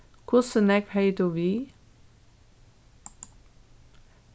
hvussu nógv hevði tú við